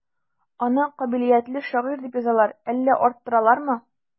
Аны кабилиятле шагыйрь дип язалар, әллә арттыралармы?